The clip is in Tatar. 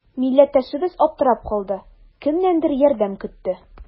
Милләттәшебез аптырап калды, кемнәндер ярдәм көтте.